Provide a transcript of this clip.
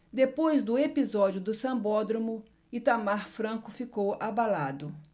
depois do episódio do sambódromo itamar franco ficou abalado